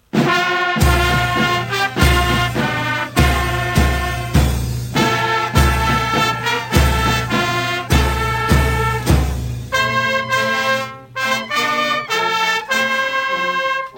Maa